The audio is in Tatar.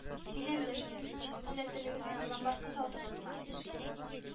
Нигә эндәшмисез, әллә телегезне ломбардка салдыгызмы